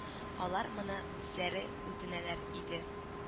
— алар моны үзләре үтенәләр иде